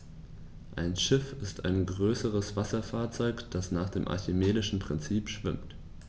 Ein Schiff ist ein größeres Wasserfahrzeug, das nach dem archimedischen Prinzip schwimmt.